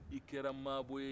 i kɛra maabɔ ye